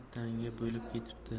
tanga bo'lib ketibdi